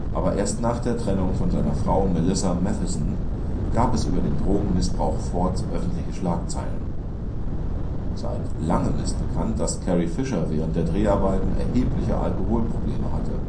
Aber erst nach der Trennung von seiner Frau Melissa Mathison gab es über den Drogenmissbrauch Fords öffentliche Schlagzeilen. Seit langem ist bekannt, dass Carrie Fisher während der Dreharbeiten erhebliche Alkoholprobleme hatte